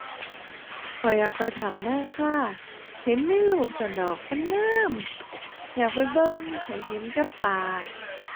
ข้อยอยากไปถ้ำนาคา เห็นในรูปซั้นดอก มันงาม อยากไปเบิ่งให้เห็นกับตา